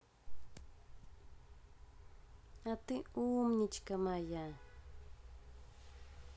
а ты умничка моя